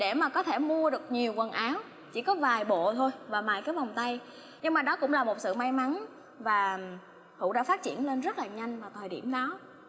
để mà có thể mua được nhiều quần áo chỉ có vài bộ thôi và mài cái vòng tay nhưng mà đó cũng là một sự may mắn và hữu đã phát triển lên rất là nhanh vào thời điểm đó